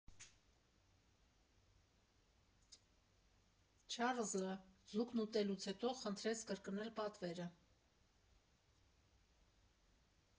Չարլզը ձուկն ուտելուց հետո խնդրեց կրկնել պատվերը։